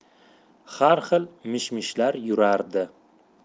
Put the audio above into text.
har xil mish mishlar yurardi